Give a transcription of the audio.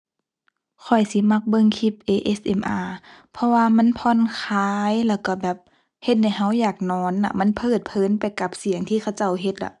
ข้อยสิมักเบิ่งคลิป ASMR เพราะว่ามันผ่อนคลาย แล้วก็แบบเฮ็ดให้ก็อยากนอนอะ มันเพลิดเพลินไปกับเสียงที่เขาเจ้าเฮ็ดอะ